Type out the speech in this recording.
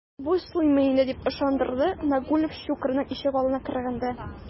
Бу суймый инде, - дип ышандырды Нагульнов Щукарьның ишегалдына кергәндә.